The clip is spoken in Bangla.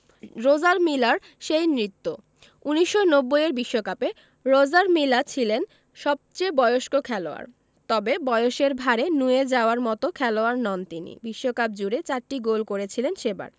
রজার মিলার সেই নৃত্য ১৯৯০ এর বিশ্বকাপে রজার মিলা ছিলেন সবচেয়ে বয়স্ক খেলোয়াড় তবে বয়সের ভাঁড়ে নুয়ে যাওয়ার মতো খেলোয়াড় নন তিনি বিশ্বকাপজুড়ে চারটি গোল করেছিলেন সেবার